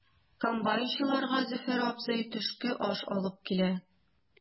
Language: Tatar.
Комбайнчыларга Зөфәр абзый төшке аш алып килә.